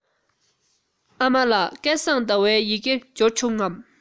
ཨ མ ལགས སྐལ བཟང ཟླ བའི ཡི གེ འབྱོར བྱུང ངམ